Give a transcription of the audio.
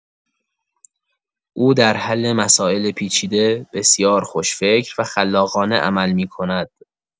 او در حل مسائل پیچیده بسیار خوش‌فکر و خلاقانه عمل می‌کند.